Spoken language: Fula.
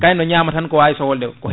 kayi ne ñama tan ko wawi sohlude ko